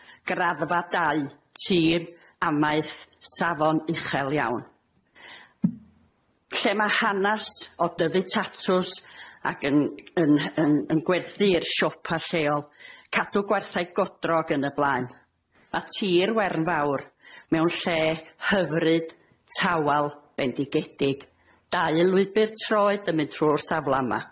graddfa dau tir amaeth safon uchel iawn. Lle ma' hanas o dyfu tatws ac yn yn yn gwerthu'r siopa lleol cadw gwerthau godro ag yn y blaen ma' tir wern fawr mewn lle hyfryd tawal bendigedig dau lwybyr troed yn mynd trw'r safla yma.